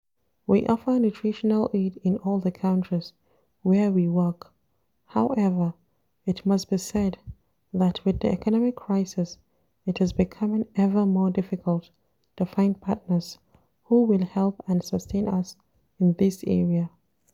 We offer nutritional aid in all the countries where we work, however, it must be said that with the economic crisis it is becoming ever more difficult to find partners who will help and sustain us in this area.